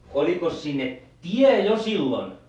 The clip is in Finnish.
olikos sinne tie jo silloin